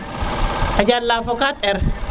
a jala fo 4R